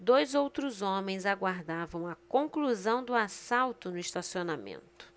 dois outros homens aguardavam a conclusão do assalto no estacionamento